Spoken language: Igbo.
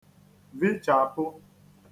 vichàpụ